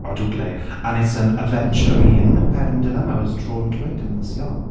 Odw glei, And it's an aventurine pendulum. I was drawn to it in the siop.